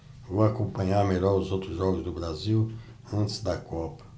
vou acompanhar melhor os outros jogos do brasil antes da copa